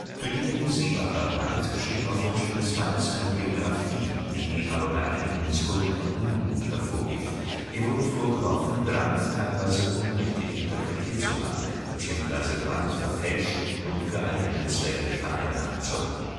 Brigitte Seebacher-Brandt schrieb auf Wunsch ihres Mannes eine Biografie, die aber bei einigen Historikern Unmut hervorrief. Ihr wurde vorgeworfen, Brandt teilweise unrichtig interpretiert zu haben, bzw. Brandt verfälscht und für eigene Zwecke vereinnahmt zu haben